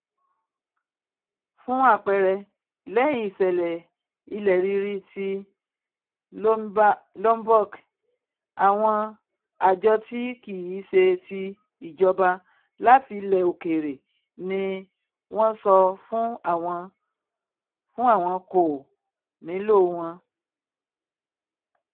Fún àpẹẹrẹ, lẹ́yìn ìṣẹ̀lẹ̀ ilẹ̀ rírí tí Lombok, àwọn àjọ tí kìí ṣe ti ìjọba láti ilẹ̀ òkèèrè ni wọ́n sọ fún àwọn kò nílò wọn.